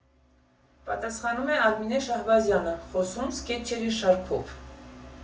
Պատասխանում է Արմինե Շահբազյանը՝ խոսուն սքեթչերի շարքով։